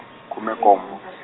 khume nkombo.